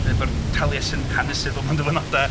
Efo'r Taliesin hanesyddol mewn dyfynodau.